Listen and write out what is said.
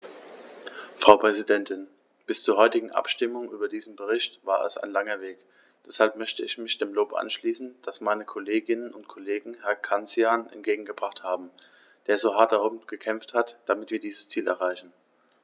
Frau Präsidentin, bis zur heutigen Abstimmung über diesen Bericht war es ein langer Weg, deshalb möchte ich mich dem Lob anschließen, das meine Kolleginnen und Kollegen Herrn Cancian entgegengebracht haben, der so hart darum gekämpft hat, damit wir dieses Ziel erreichen.